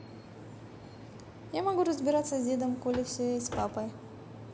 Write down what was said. я могу разбираться с дедом коли все и с папой